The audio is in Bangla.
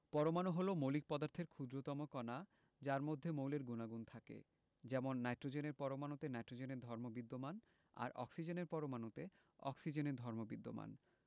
পরমাণু হলো মৌলিক পদার্থের ক্ষুদ্রতম কণা যার মধ্যে মৌলের গুণাগুণ থাকে যেমন নাইট্রোজেনের পরমাণুতে নাইট্রোজেনের ধর্ম বিদ্যমান আর অক্সিজেনের পরমাণুতে অক্সিজেনের ধর্ম বিদ্যমান